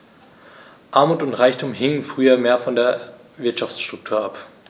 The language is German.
Armut und Reichtum hingen früher mehr von der Wirtschaftsstruktur ab.